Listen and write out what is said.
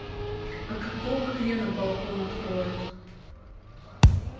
а какого хрена балкон откроет